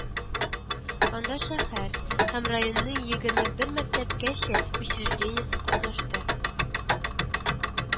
Анда шәһәр һәм районның егерме бер мәктәпкәчә учреждениесе катнашты